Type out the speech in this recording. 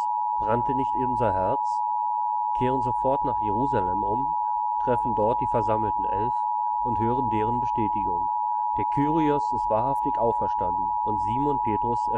Brannte nicht unser Herz...? –, kehren sofort nach Jerusalem um, treffen dort die versammelten Elf und hören deren Bestätigung: Der Kyrios ist wahrhaftig auferstanden und Simon (Petrus